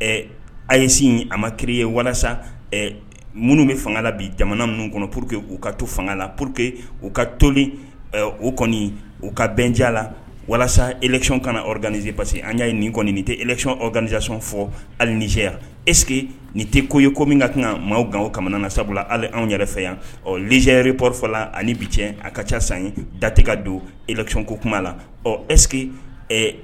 e ayi ye walasa minnu bɛ fanga bi jamana minnu pur que u ka to fanga la pur que u ka to u kɔni u ka bɛnja la walasa ec kana gananize pa que an y'a nin kɔni tɛ eanizsason fɔ alizeya eke tɛ ko ye ko min ka kan maaw gan ka sabula anw yɛrɛ fɛ yan zre porola ani bi a ka ca san ye datɛ ka don econ ko kuma la eke